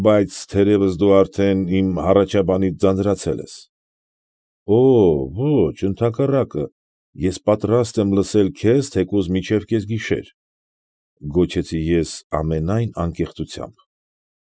Բայց թերևս դու արդեն իմ հառաջաբանից ձանձրացել ես։ ֊ Օօ, ոչ, ընդհակառակը, ես պատրաստ եմ լսել քեզ թեկուզ մինչև կեսգիշեր, ֊ գոչեցի ես ամենայն անկեղծությամբ,